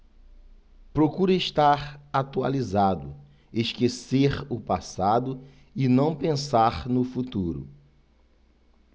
procuro estar atualizado esquecer o passado e não pensar no futuro